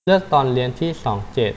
เลือกตอนเรียนที่สองเจ็ด